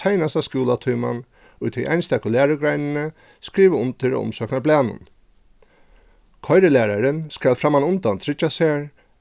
seinasta skúlatíman í tí einstøku lærugreinini skriva undir á umsóknarblaðnum koyrilærarin skal frammanundan tryggja sær